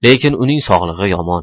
lekin uning sog'lig'i yomon